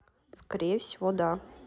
скорее всего да